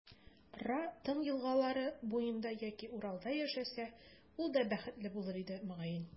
Ра, Тын елгалары буенда яки Уралда яшәсә, ул да бәхетле булыр иде, мөгаен.